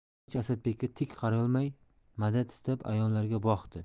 qilich asadbekka tik qarayolmay madad istab a'yonlarga boqdi